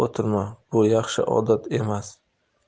o'tirma bu yaxshi odat emas